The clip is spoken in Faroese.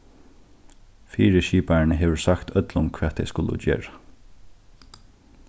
fyriskiparin hevur sagt øllum hvat tey skulu gera